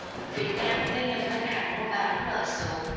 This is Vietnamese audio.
việt nam nên lập ngân hàng mua bán nợ xấu